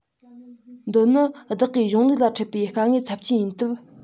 འདི ནི བདག གི གཞུང ལུགས ལ འཕྲད པའི དཀའ གནད ཚབས ཆེན ཡིན སྟབས